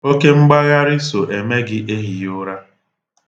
Oke mgbagharị so eme gị ehighiụra.